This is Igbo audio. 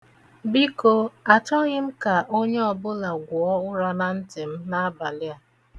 Biko achọghị ka onye ọbụla gwọọ ụra na ntị n'abalị a.